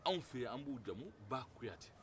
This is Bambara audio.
anw fɛ yan anw b'u jamu ba kuyatɛ